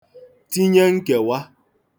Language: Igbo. tinye nkèwa